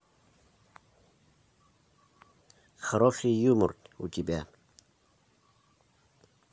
хороший юмор у тебя